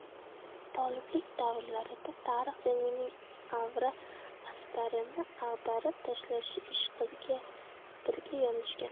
toliblik davrlarida tarix ilmining avra astarini ag'darib tashlash ishqida birga yonishgan